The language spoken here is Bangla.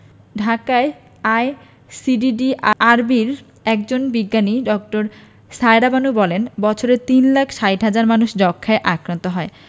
ঢাকায় আইসিডিডিআরবির একজন বিজ্ঞানী ড. সায়েরা বানু বলেন বছরে তিন লাখ ৬০ হাজার মানুষ যক্ষ্মায় আক্রান্ত হয়